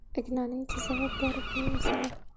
ignaning chizig'i bor ipning uzugi